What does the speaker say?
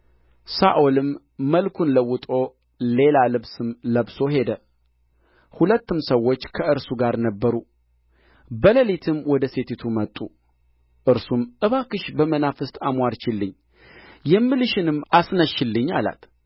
ሳኦልም መልኩን ለውጦ ሌላ ልብስም ለብሶ ሄደ ሁለትም ሰዎች ከእርሱ ጋር ነበሩ በሌሊትም ወደ ሴቲቱ መጡ እርሱም እባክሽ በመናፍስት አምዋርቺልኝ የምልሽንም አስነሽልኝ አላት